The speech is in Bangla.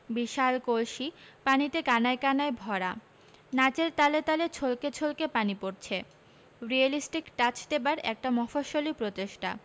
বিশাল কলসি পানিতে কনািয় কানায় ভরা নাচের তালে তালে ছলকে ছলকে পানি পড়ছে রিয়েলিস্টিক টাচ্ দেবার একটা মফস্বলী প্রচেষ্টা